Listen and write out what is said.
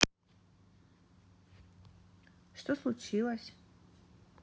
что случилось